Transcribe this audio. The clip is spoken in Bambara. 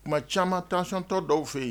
Tuma caman taactɔ dɔw fɛ yen